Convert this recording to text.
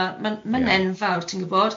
So ma'n ma'n ma'n enfawr ti'n gwbod?